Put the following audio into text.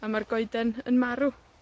A ma'r goeden yn marw.